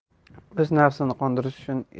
o'z nafsini qondirish uchun